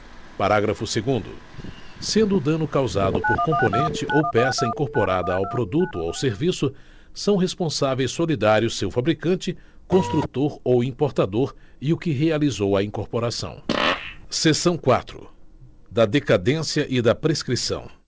parágrafo segundo sendo o dano causado por componente ou peça incorporada ao produto ou serviço são responsáveis solidários seu fabricante construtor ou importador e o que realizou a incorporação seção quatro da decadência e da prescrição